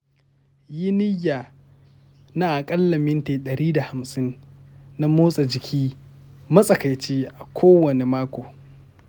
yi niyya na aƙalla minti ɗari da hamsin na motsa jiki matsakaici a kowane mako.